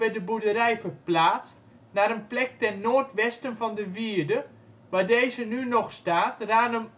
de boerderij verplaatst naar een plek ten noordwesten van de wierde, waar deze nu nog staat (Ranum